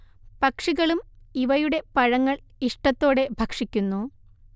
പക്ഷികളും ഇവയുടെ പഴങ്ങൾ ഇഷ്ടത്തോടെ ഭക്ഷിക്കുന്നു